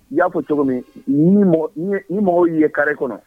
I y'a fɔ cogo min ni i mɔgɔw ye karire kɔnɔ